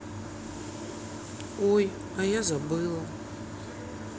ой а я забыла